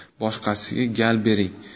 boshqasiga gal bering